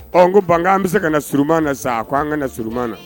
Ɔ ko ban an bɛ se ka na surunman na sa a ko an ka na surunman na